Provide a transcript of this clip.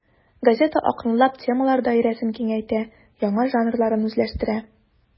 Газета акрынлап темалар даирәсен киңәйтә, яңа жанрларны үзләштерә.